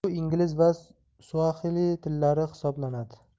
bu ingliz va suaxili tillari hisoblanadi